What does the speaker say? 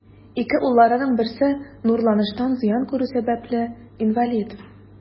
Ике улларының берсе нурланыштан зыян күрү сәбәпле, инвалид.